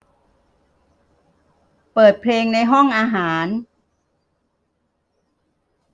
เปิดเพลงในห้องอาหาร